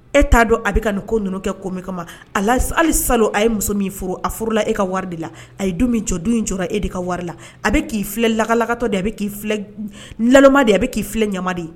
E t'a dɔn a bɛka ka nin ko ninnu kɛ ko min kama ali sa a ye muso min furu a furula e ka wari de la a ye don min jɔ don in jɔ e de ka wari a bɛ k'i filɛ lakalakatɔ de a bɛ k' de a bɛ k'i filɛ ɲama de ye